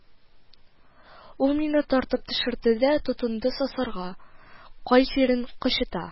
Ул мине тартып төшерде дә тотынды сосарга, кай җирең кычыта